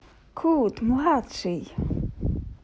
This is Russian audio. cut младший